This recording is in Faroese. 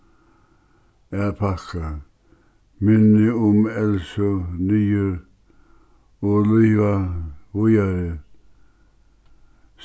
at pakka minnini um elsu niður og liva víðari